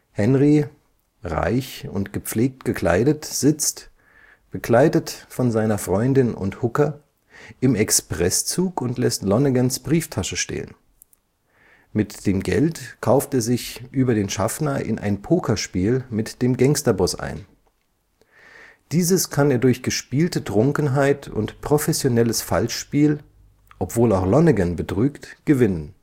Henry, reich und gepflegt gekleidet, sitzt – begleitet von seiner Freundin und Hooker – im Expresszug und lässt Lonnegans Brieftasche stehlen. Mit dem Geld kauft er sich über den Schaffner in ein Pokerspiel mit dem Gangsterboss ein. Dieses kann er durch gespielte Trunkenheit und professionelles Falschspiel – obwohl auch Lonnegan betrügt – gewinnen